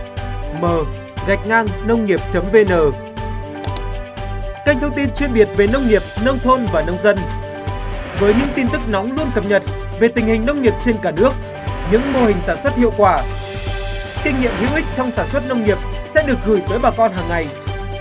mờ gạch ngang nông nghiệp chấm vê nờ một kênh thông tin chuyên biệt về nông nghiệp nông thôn và nông dân với những tin tức nóng luôn cập nhật về tình hình nông nghiệp trên cả nước những mô hình sản xuất hiệu quả kinh nghiệm hữu ích trong sản xuất nông nghiệp sẽ được gửi tới bà con hàng ngày